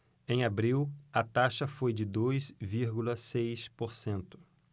em abril a taxa foi de dois vírgula seis por cento